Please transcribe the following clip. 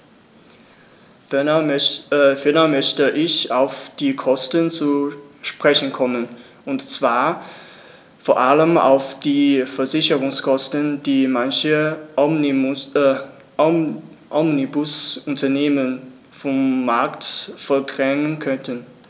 Ferner möchte ich auf die Kosten zu sprechen kommen, und zwar vor allem auf die Versicherungskosten, die manche Omnibusunternehmen vom Markt verdrängen könnten.